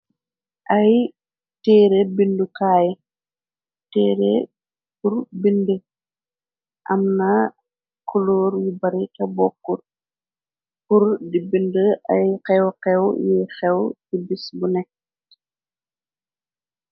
ay téere bindukaay téere kur bind amna culoor yu bari te bokkur kur di bind ay xew-xew yi xew ci bis bu nekk